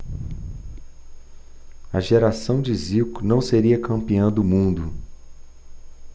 a geração de zico não seria campeã do mundo